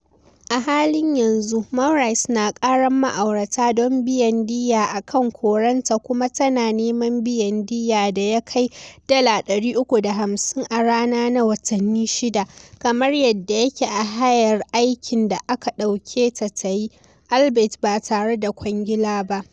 A halin yanzu, Maurice na karan ma'aurata don biyan diyya a kan koranta, kuma tana neman biyan diya da ya kai $ 350 a rana na watanni shida, kamar yadda yake a hayar aikin da aka dauke ta tayi, albeit ba tare da kwangila ba.